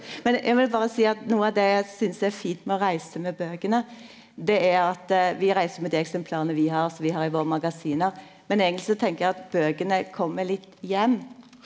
men eg ville berre seie at noko av det eg synst er fint med å reise med bøkene det er at vi reiser med dei eksemplara vi har som vi har i våre magasin men eigentleg så tenker eg at bøkene kjem litt heim.